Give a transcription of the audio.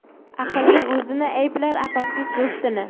aqlli o'zini ayblar aqlsiz do'stini